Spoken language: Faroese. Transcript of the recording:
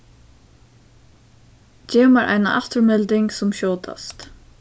gev mær eina afturmelding sum skjótast